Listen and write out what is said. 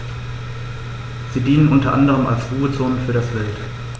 Sie dienen unter anderem als Ruhezonen für das Wild.